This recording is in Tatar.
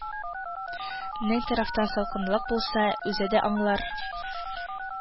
Нең тарафтан салкынлык булса, үзе дә аңлар